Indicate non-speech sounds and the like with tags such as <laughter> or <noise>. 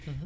<hesitation> <hesitation>